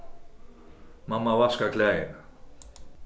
mann má vaska klæðini